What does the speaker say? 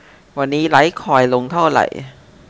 วันนี้ไลท์คอยน์ลงเท่าไหร่